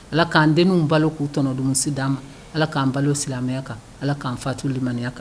Ala k'an denw balo k'u tɔnɔd d'an ma ala k'an balo silamɛya kan ala k'an fatulilimaya kan